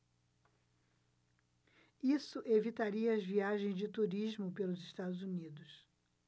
isso evitaria as viagens de turismo pelos estados unidos